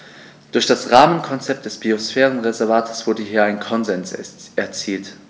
Durch das Rahmenkonzept des Biosphärenreservates wurde hier ein Konsens erzielt.